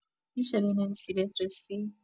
می‌شه بنویسی بفرستی